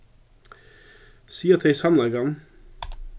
siga tey sannleikan